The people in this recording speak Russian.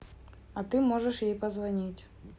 а ты можешь ей позвонить